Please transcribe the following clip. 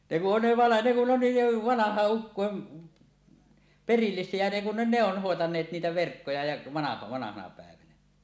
ne kun on - ne kun on niin jo vanhojen ukkojen perillisiä ja ne kun ne ne on hoitaneet niitä verkkoja ja - vanhana päivänä